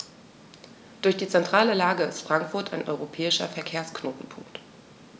Durch die zentrale Lage ist Frankfurt ein europäischer Verkehrsknotenpunkt.